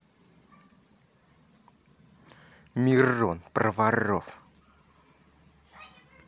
джой ты мой любимый персонаж